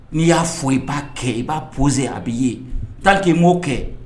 N'i y'a fɔ i b'a kɛ i b'a posé a b'i ye tant que n'i m'o kɛ